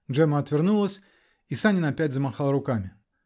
Джемма отвернулась, и Санин опять замахал руками.